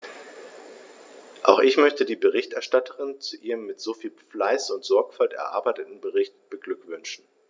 Auch ich möchte die Berichterstatterin zu ihrem mit so viel Fleiß und Sorgfalt erarbeiteten Bericht beglückwünschen.